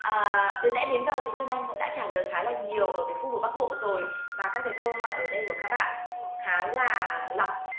à từ nãy đến giờ thì xuân anh cũng đã trả lời khá là nhiều ở cái khu vực bắc bộ rồi và các cái câu hỏi ở đây của các bạn khá là lặp